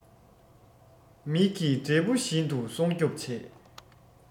མིག གི འབྲས བུ བཞིན དུ སྲུང སྐྱོབ བྱས